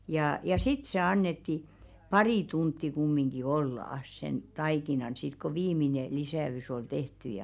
ja ja sitten se annettiin pari tuntia kumminkin olla sen taikinan sitten kun viimeinen lisäys oli tehty ja